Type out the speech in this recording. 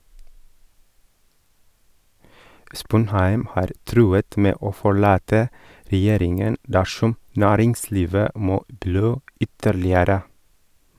Sponheim har truet med å forlate Regjeringen dersom næringslivet må blø ytterligere.